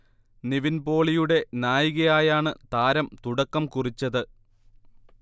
നിവിൻ പോളിയുടെ നായികയായാണ് താരം തുടക്കം കുറിച്ചത്